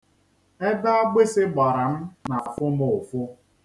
Ebe agbịsị gbara m na-afụ m ụfụ.